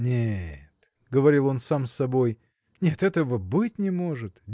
Нет, – говорил он сам с собой, – нет, этого быть не может!